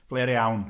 Blêr iawn.